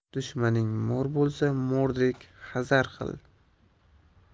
dushmaning mo'r bo'lsa mo'rdek hazar qil